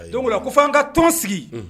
Ayi donc ola ko f'an ka tɔn sigi unhun